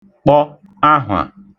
kpọ ahwà